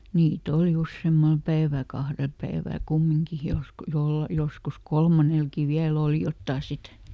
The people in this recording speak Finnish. niitä oli useammalla päivällä kahdella päivällä kumminkin -- joskus kolmannellakin vielä oli jotakin sitten